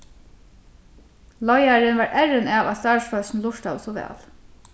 leiðarin var errin av at starvsfólkini lurtaðu so væl